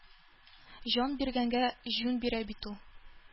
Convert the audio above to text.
Җан биргәнгә җүн бирә бит ул.